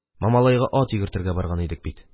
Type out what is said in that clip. Мамалайда ат йөгертергә барган идек бит.